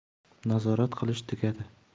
nazorat qilish tugadi